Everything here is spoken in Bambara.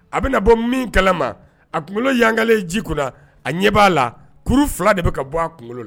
A bɛna na bɔ min kalama a kunkolo yankale ji kunna a ɲɛ b'a la kuru fila de bɛ ka bɔ a kunkolo la